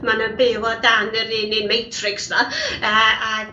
Ma' nw'n byw o dan yr un un matrics 'ma yy a